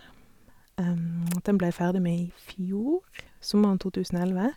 Og den ble jeg ferdig med i fjor, sommeren to tusen og elleve.